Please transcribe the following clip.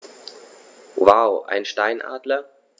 Wow! Einen Steinadler?